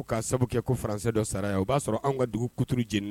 N ka sababu kɛ ko faransɛ dɔ sara ye u b'a sɔrɔ an ka dugu kutu jeni